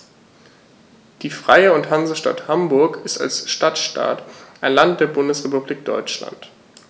Die Freie und Hansestadt Hamburg ist als Stadtstaat ein Land der Bundesrepublik Deutschland.